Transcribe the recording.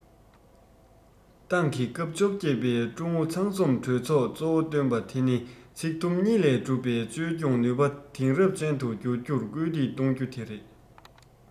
ཏང གི སྐབས བཅོ བརྒྱད པའི ཀྲུང ཨུ ཚང འཛོམས གྲོས ཚོགས གཙོ བོ བཏོན པ དེ ནི ཚིག དུམ གཉིས ལས གྲུབ པའི བཅོས སྐྱོང ནུས པ དེང རབས ཅན དུ འགྱུར རྒྱུར སྐུལ འདེད གཏོང རྒྱུ དེ རེད